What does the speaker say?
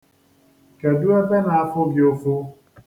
Kedụ ebe na-afụ gị ụfu?